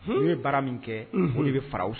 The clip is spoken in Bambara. N ye baara min kɛ' de bɛ fararaw fɛ